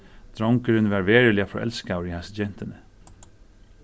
drongurin var veruliga forelskaður í hasi gentuni